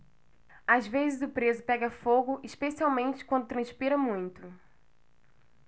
às vezes o preso pega fogo especialmente quando transpira muito